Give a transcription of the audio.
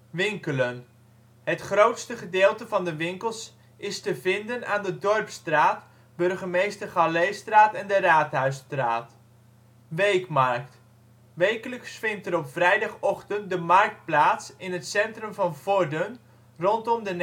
Winkelen Het grootste gedeelte van de winkels is te vinden aan de Dorpsstraat, Burgemeester Galleestraat en de Raadhuisstraat. Weekmarkt Wekelijks vindt er op vrijdagochtend de markt plaats in het centrum van Vorden, rondom de